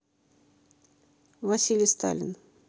василий сталин